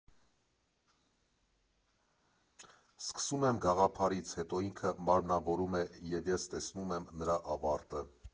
Սկսում եմ գաղափարից, հետո ինքը մարմնավորվում է, և ես տեսնում եմ նրա ավարտը.